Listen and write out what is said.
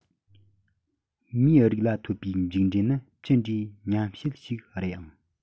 མིའི རིགས ལ ཐོབ པའི མཇུག འབྲས ནི ཇི འདྲའི ཉམས ཞན ཞིག རེད ཨང